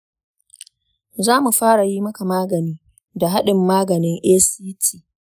zamu fara yi maka magani da hadin maganin act